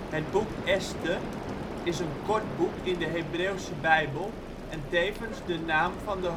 Het boek Est (h) er (Hebreeuws: אסתר) is een kort boek in de Hebreeuwse Bijbel en tevens de naam van de